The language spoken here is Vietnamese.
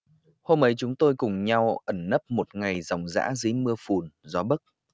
hôm ấy chúng tôi cùng nhau ẩn nấp một ngày ròng rã dưới mưa phùn gió bấc